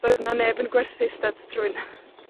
Doedd 'na neb yn gwerthu styds trwyn.